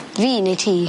Fi neu ti.